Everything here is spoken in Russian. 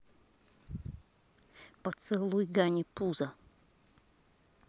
поцелуй гани пуза